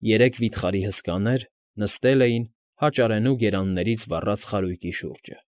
Երեք վիթխարի հսկաներ նստել էին հաճարենու գերաններից վառած խարույկի շուրջը։